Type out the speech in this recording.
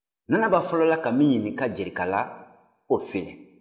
nanaba fɔlɔla ka min ɲininka jerika la o filɛ